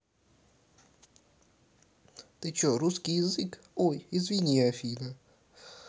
ты че русский язык ой извини афина